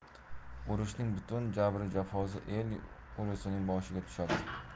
urushning butun jabru jafosi el ulusning boshiga tushadir